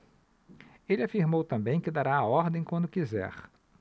ele afirmou também que dará a ordem quando quiser